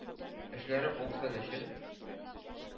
– эшләре уңсын өчен,